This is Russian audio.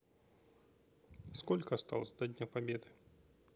сколько осталось до дня победы